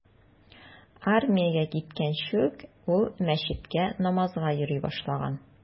Армиягә киткәнче ук ул мәчеткә намазга йөри башлаган.